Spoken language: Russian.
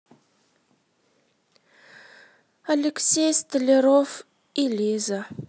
алексей столяров и лиза